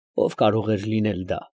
Ո՞վ կարող էր լինել դա։